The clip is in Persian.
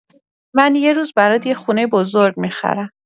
من یه روز برات یه خونه بزرگ می‌خرم.